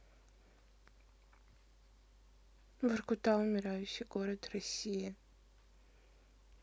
воркута умирающий город россии